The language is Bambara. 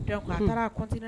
Donc A taara a continuer